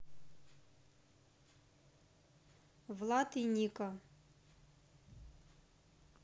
влад и ника